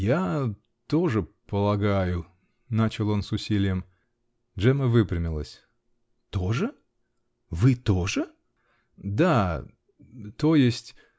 -- Я тоже полагаю, -- начал он с усилием . Джемма выпрямилась. -- Тоже? Вы -- тоже? -- Да. то есть.